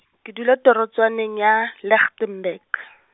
ke dula torotswaneng ya, Lichtenburg.